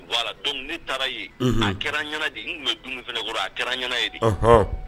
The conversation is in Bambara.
Voila, donc ne taara yen de, a kɛra ɲɛ na de, n tun bɛ dumuni fana kɔnɔ a kɛra ɲɛn na ye de.